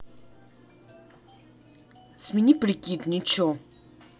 смени прикид ниче